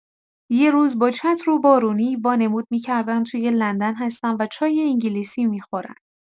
یه روز با چتر و بارونی، وانمود می‌کردن توی لندن هستن و چای انگلیسی می‌خورن.